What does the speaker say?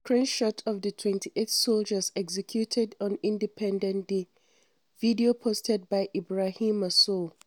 Screenshot of the 28 soldiers executed on Independence day – Video posted by Ibrahima Sow.